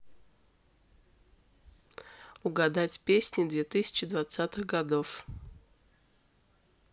угадать песни две тысячи двадцатых годов